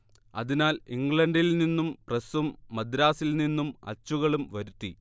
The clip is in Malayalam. അതിനാൽ ഇംഗ്ലണ്ടിൽ നിന്നും പ്രസ്സും മദ്രാസിൽ നിന്നും അച്ചുകളും വരുത്തി